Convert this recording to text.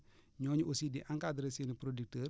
ñooñu aussi di encadré seen i producteurs